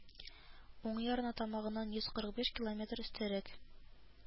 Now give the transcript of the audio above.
Уң ярына тамагыннан йөз кырык биш километр өстәрәк